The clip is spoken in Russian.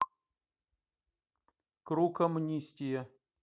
круг амнистия